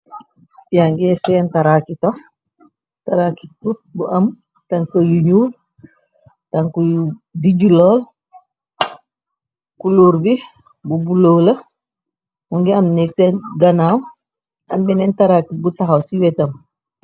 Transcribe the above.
piange seen tarakit bu am tanku yu ñuul tankuy dijulool kuluur bi bu buloo la mu ngi am neg seen ganaaw ambeneen taraakit bu taxaw ci wetam